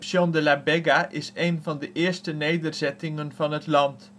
de La Vega is een van de eerste nederzettingen van het land